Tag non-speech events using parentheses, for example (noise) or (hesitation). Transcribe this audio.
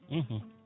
(hesitation) (hesitation)